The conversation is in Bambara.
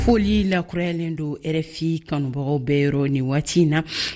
foli lakurayalen don rfi kanubagaw bɛɛ yɔrɔ nin waati in na